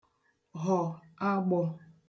họ̀ agbọ̄